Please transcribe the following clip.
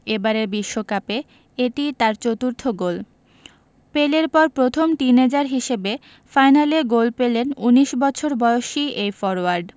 এবারের বিশ্বকাপে এটি তার চতুর্থ গোল পেলের পর প্রথম টিনএজার হিসেবে ফাইনালে গোল পেলেন ১৯ বছর বয়সী এই ফরোয়ার্ড